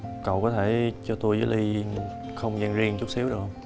cậu có thể cho tôi với ly không gian riêng chút xíu được hông